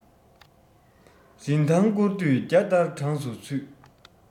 རིན ཐང སྐོར དུས བརྒྱ སྟར གྲངས སུ ཚུད